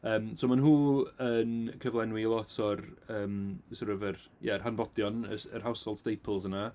Yym so maen nhw yn cyflenwi lot o'r yym sort of yr... ie yr hanfodion, y s- yr household staples yna.